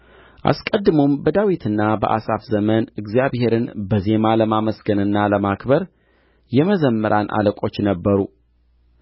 አስቀድሞም በዳዊትና በአሳፍ ዘመን እግዚአብሔርን በዜማ ለማመስገንና ለማክበር የመዘምራን አለቆች ነበሩ